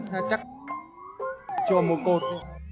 chắc chùa một cột